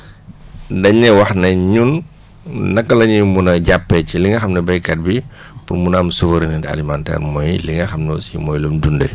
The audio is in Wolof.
daén ne wax ne ñun naka la ñuy mun a jàppee ci li nga xam ne béykat bi pour mun a am souveraineté alimentaire mooy li nga xam ne aussi mooy lum dundee